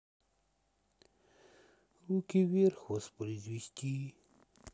руки вверх воспроизвести